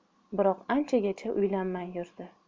biroq anchagacha uylanmay yurdi